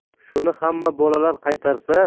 shuni xamma bolalar qaytarsa